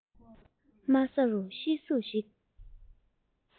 དམའ ས རུ གཤེར གཟུགས ཤིག